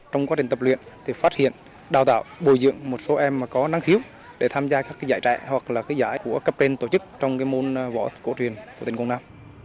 trong quá trình tập luyện thì phát hiện đào tạo bồi dưỡng một số em mà có năng khiếu để tham gia các cái giải trẻ hoặc là cái giải của cấp trên tổ chức trong cái môn võ cổ truyền của tỉnh quảng nam